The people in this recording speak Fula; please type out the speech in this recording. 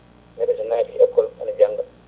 neɗɗo so naati école ene jangga